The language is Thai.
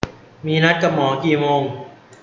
มีนัดกับหมอกี่โมง